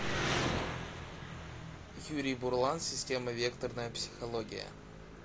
юрий бурлан система векторная психология